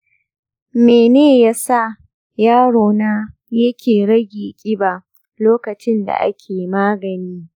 mene yasa yaro na yake rage ƙiba lokacin da ake magani?